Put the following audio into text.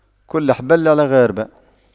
كل حبل على غاربه